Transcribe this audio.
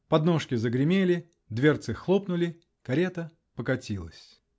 подножки загремели, дверцы хлопнули, карета покатилась .